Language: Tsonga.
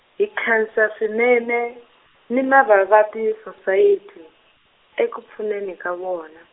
hi nkhensa swinene, ni lava va tisosayiti, eka pfuneni ka vona.